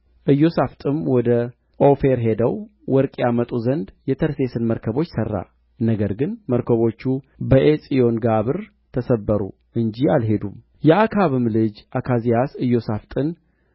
ኢዮሣፍጥም ወደ ኦፊር ሄደው ወርቅ ያመጡ ዘንድ የተርሴስን መርከቦች ሠራ ነገር ግን መርከቦቹ በዔጽዮንጋብር ተሰበሩ እንጂ አልሄዱም የአክዓብም ልጅ አካዝያስ ኢዮሣፍጥን